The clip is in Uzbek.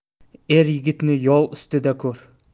er yigitni yov ustida ko'r